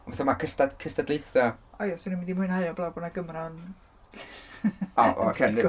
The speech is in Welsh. Ond fatha ma' cystad- cystadleuaethau... O ie, 'swn i'm 'di mwynhau o heblaw bod yna Gymro'n ... O ocei.